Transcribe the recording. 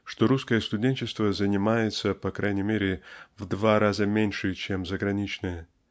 что русское студенчество занимается по крайней мере в два раза меньше чем заграничное.